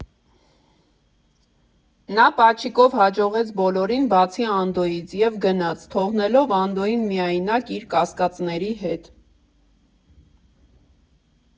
Նա պաչիկով հաջողեց բոլորին, բացի Անդոյից, և գնաց՝ թողնելով Անդոյին միայնակ իր կասկածների հետ։